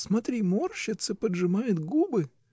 Смотри, морщится, поджимает губы!.